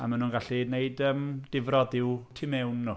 A maen nhw'n gallu neud yym difrod i'w tu mewn nhw.